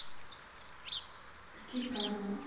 какие правила